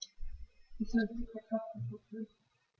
Ich möchte Kartoffelsuppe.